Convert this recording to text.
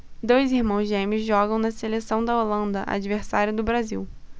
dois irmãos gêmeos jogam na seleção da holanda adversária do brasil